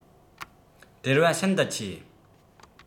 བྲེལ བ ཤིན ཏུ ཆེ